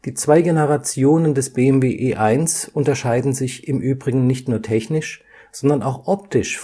zwei Generationen des BMW E1 unterscheiden sich im übrigen nicht nur technisch, sondern auch optisch voneinander